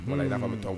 Kuma mana y' ka bɛ taa